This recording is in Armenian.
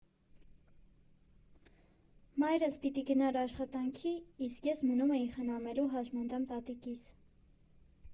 Մայրս պիտի գնար աշխատանքի, իսկ ես մնում էի խնամելու հաշմանդամ տատիկիս։